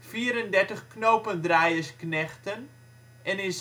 vierendertig knopendraaiersknechten en in